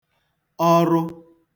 ọrụ